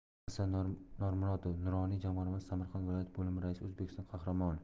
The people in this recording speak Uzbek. hasan normurodov nuroniy jamg'armasi samarqand viloyat bo'limi raisi o'zbekiston qahramoni